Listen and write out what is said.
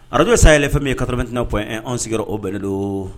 Araj saya ye yɛlɛ fɛn min ye katame tɛnaina kuwa anw sigi o bɛɛ don